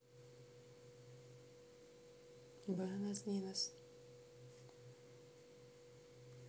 буэнос диас